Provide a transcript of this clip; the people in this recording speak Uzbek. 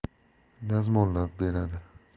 dazmollab beradi